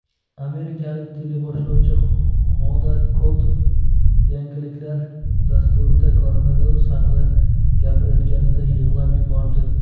amerikalik teleboshlovchi xoda kotb yangiliklar dasturida koronavirus haqida gapirayotganida yig'lab yubordi